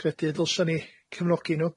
Credu y ddylsan ni cefnogi nw.